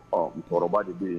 Ɔ n kɔrɔba de b'o yen